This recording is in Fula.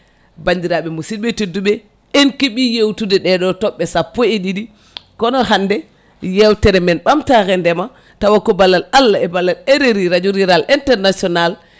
bandiraɓe musidɓe tedduɓe en keeɓi yewtude ɗeɗo toɓɓe sappo e ɗiɗi kono hande yewtere men ɓamtare ndeema tawa ko ballal Allah e ballal RRI radio rural international